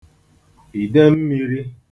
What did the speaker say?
ìdemmīrī